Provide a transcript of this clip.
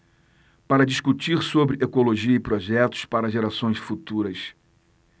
para discutir sobre ecologia e projetos para gerações futuras